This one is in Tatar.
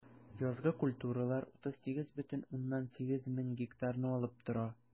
Язгы культуралар 38,8 мең гектарны алып тора.